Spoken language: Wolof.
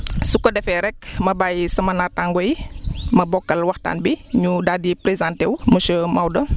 su ko defeee rek m bàyyi sama naataangóo yi ma bokkal waxtaan bi ñu daal di présenté wu monsieur Maodo